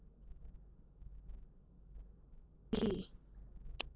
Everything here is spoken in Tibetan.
འཁྲུལ རྟོག གི